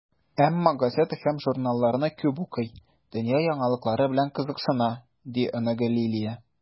Әмма газета һәм журналларны күп укый, дөнья яңалыклары белән кызыксына, - ди оныгы Лилия.